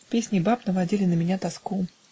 песни баб наводили на меня тоску.